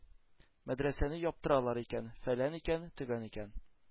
Мәдрәсәне яптыралар икән, фәлән икән, төгән икән!